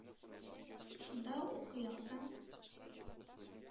Шунда укый алсам,